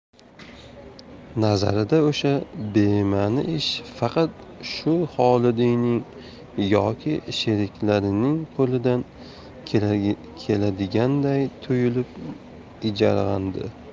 nazarida o'sha bema'ni ish faqat shu xolidiyning yoki sheriklarining qo'lidan keladiganday tuyulib ijirg'andi